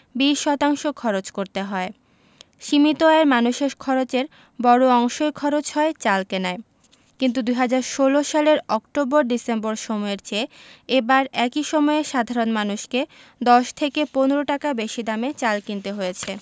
২০ শতাংশ খরচ করতে হয় সীমিত আয়ের মানুষের খরচের বড় অংশই খরচ হয় চাল কেনায় কিন্তু ২০১৬ সালের অক্টোবর ডিসেম্বর সময়ের চেয়ে এবার একই সময়ে সাধারণ মানুষকে ১০ থেকে ১৫ টাকা বেশি দামে চাল কিনতে হয়েছে